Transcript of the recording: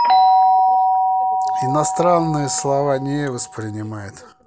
иностранные слова не воспринимает